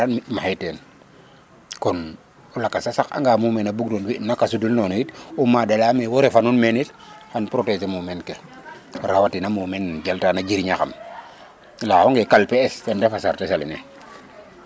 mi maxey ten kon lakas a saq anga mumeen a bug no fi naka sudul nonu it o mada leyame wo refa nun meen it xan protéger mumeen ke rawa tina mumeen nem jalta te jirña xam laya xonge kalpe es ten ref a sartes alene